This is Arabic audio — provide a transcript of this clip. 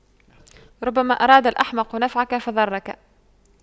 ربما أراد الأحمق نفعك فضرك